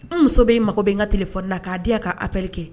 N muso be mago be n ka téléphone na ka di yan ka appel kɛ.